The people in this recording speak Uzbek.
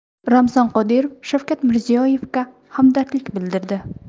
ramzan qodirov shavkat mirziyoyevga hamdardlik bildirdi